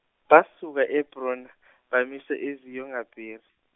basuka Ebrona bamisa Eziyongaberi.